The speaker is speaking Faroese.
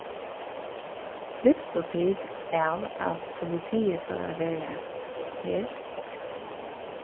vistu tit av at politiið fór at vera her